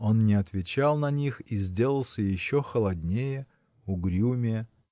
Он не отвечал на них и сделался еще холоднее, угрюмее.